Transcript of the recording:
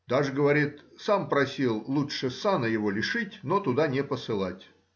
Даже, говорит, сам просил лучше сана его лишить, но туда не посылать.